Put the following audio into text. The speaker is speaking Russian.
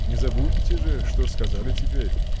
— Не забудьте же, что сказали теперь.